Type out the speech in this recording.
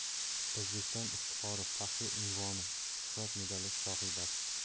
o'zbekiston iftixori faxriy unvoni shuhrat medali sohibasi